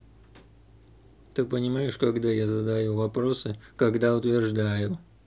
ты понимаешь когда я задаю вопросы когда утверждаю